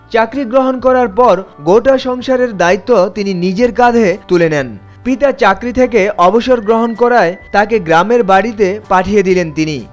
চাকরি গ্রহণ করার পর গোটা সংসারের দায়িত্ব তিনি নিজের কাঁধে তুলে নেন পিতা চাকরি থেকে অবসর গ্রহণ করায় তাকে গ্রামের বাড়িতে পাঠিয়ে দিলেন তিনি